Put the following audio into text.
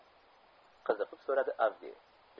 kiziqib so'radi avdiy